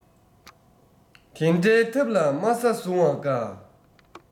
དེ འདྲའི ཐབས ལ དམའ ས བཟུང བ དགའ